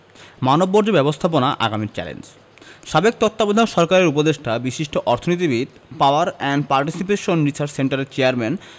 মানববর্জ্য ব্যবস্থাপনা আগামীর চ্যালেঞ্জ সাবেক তত্ত্বাবধায়ক সরকারের উপদেষ্টা বিশিষ্ট অর্থনীতিবিদ পাওয়ার অ্যান্ড পার্টিসিপেশন রিসার্চ সেন্টারের চেয়ারম্যান